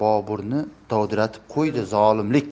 boburni dovdiratib qo'ydi zolimlik